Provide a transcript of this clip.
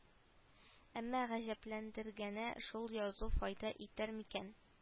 Әмма гаҗәпләндергәне шул язу файда итәр микән